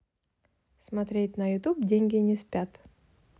смотреть на ютуб деньги не спят